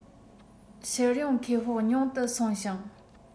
ཕྱིར ཡོང ཁེ སྤོགས ཉུང དུ སོང ཞིང